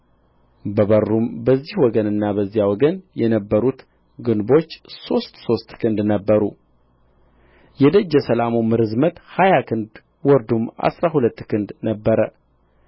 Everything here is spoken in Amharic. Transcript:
በበሩም በዚህ ወገንና በዚያ ወገን የነበሩት ግንቦች ሦስት ሦስት ክንድ ነበሩ የደጀ ሰላሙም ርዝመት ሀያ ክንድ ወርዱም አሥራ ሁለት ክንድ ነበረ